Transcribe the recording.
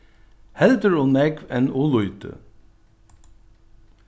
heldur ov nógv enn ov lítið